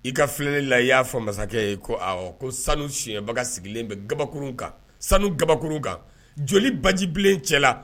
I ka filen la i y'a fɔ masakɛ ye ko ko sanu sinaɲɛbaga sigilen bɛ kabakuru kan sanu kababakuru kan joli bajibilen cɛ la